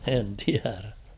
en tiedä